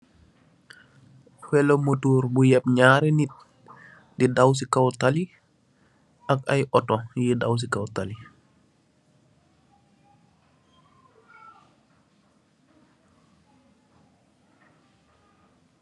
Welo motor bu yep ñari nit, di daw si kow tali, ak ay Otto yuy daw si kow tali.